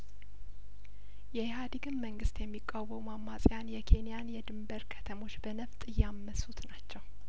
የኢህአዴግን መንግስት የሚቃወሙ አማጽያን የኬንያን የድንበር ከተሞች በነፍጥ እያመሱት ናቸው